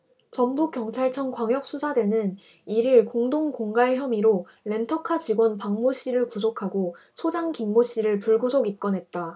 전북경찰청 광역수사대는 일 일 공동공갈 혐의로 렌터카 직원 박모씨를 구속하고 소장 김모씨를 불구속 입건했다